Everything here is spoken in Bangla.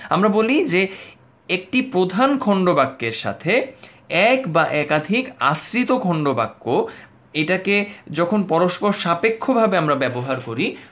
আমরা বলি যে একটি প্রধান খন্ড বাক্যের সাথে এক বা একাধিক আশ্রিত খন্ডবাক্য এটা কে যখন পরস্পর সাপেক্ষ ভাবে আমরা ব্যবহার করি